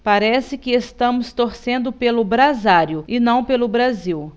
parece que estamos torcendo pelo brasário e não pelo brasil